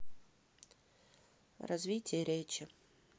развитие речи